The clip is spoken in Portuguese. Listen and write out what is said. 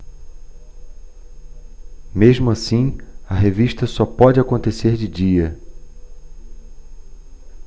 mesmo assim a revista só pode acontecer de dia